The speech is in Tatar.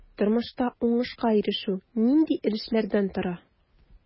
Тормышта уңышка ирешү нинди өлешләрдән тора?